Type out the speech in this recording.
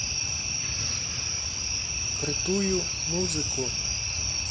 крутую музыку